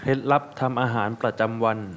เคล็ดลับทำอาหารประจำวัน